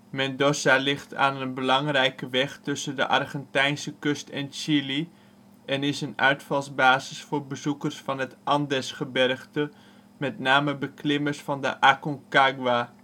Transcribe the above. Mendoza ligt aan een belangrijke weg tussen de Argentijnse kust en Chili en is een uitvalsbasis voor bezoekers van het Andesgebergte, met name beklimmers van de Aconcagua